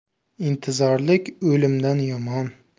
intizorlik o'limdan yomon